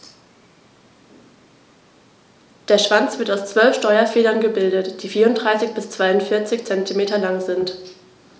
Der Schwanz wird aus 12 Steuerfedern gebildet, die 34 bis 42 cm lang sind.